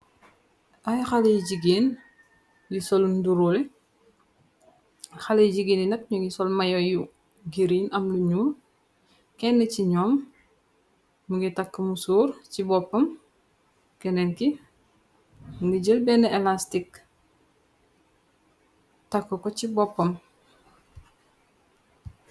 Ay xaley jigéen yi solu nduroole xaley jigéen yi nak ñu ngi sol mayo yu giriin am lu ñuul kenn ci ñoom mu ngi takk mu sóor ci boppam kenenki ni jël benn elastik takk ko ci boppam.